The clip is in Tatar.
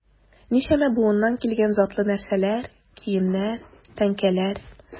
Ничәмә буыннан килгән затлы нәрсәләр, киемнәр, тәңкәләр...